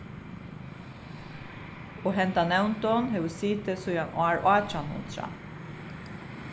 og henda nevndin hevur sitið síðan ár átjan hundrað